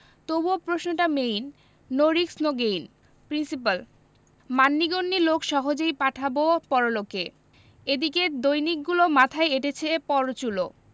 তবুও প্রশ্নটা main no risk no gain principle মান্যিগন্যি লোক সহজেই পাঠাবো পরলোকে এদিকে দৈনিকগুলো মাথায় এঁটেছে পরচুলো